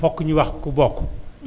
foog ñu wax ku bokk